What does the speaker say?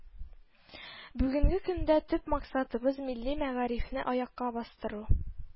Бүгенге көндә төп максатыбыз милли мәгарифне аякка бастыру